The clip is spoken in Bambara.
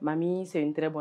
Mami c'est une très bonne